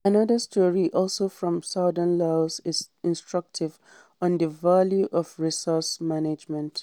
Another story also from southern Laos is instructive on the value of resource management: